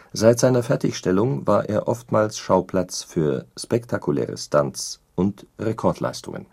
Seit seiner Fertigstellung war er oftmals Schauplatz für spektakuläre Stunts und Rekordleistungen